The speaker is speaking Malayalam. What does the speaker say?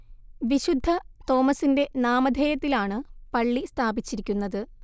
വിശുദ്ധ തോമസിന്റെ നാമധേയത്തിലാണ് പള്ളി സ്ഥാപിച്ചിരിക്കുന്നത്